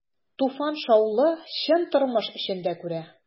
Туфан шаулы, чын тормыш эчендә күрә.